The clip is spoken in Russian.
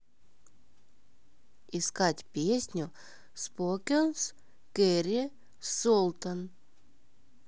искать песню spooky's кэрри colton